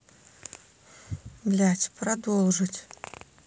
блять продолжить